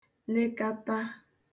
lekata